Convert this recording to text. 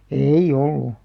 ei ollut